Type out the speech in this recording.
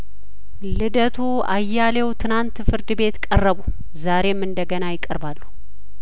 ልደቱ አያሌው ትናንት ፍርድ ቤት ቀረቡ ዛሬም እንደገና ይቀርባሉ